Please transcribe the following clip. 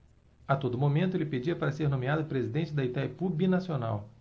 a todo momento ele pedia para ser nomeado presidente de itaipu binacional